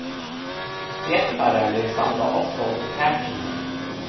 fjeppararnir standa ofta undir takinum